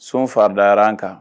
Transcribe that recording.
Sun faridayara an kan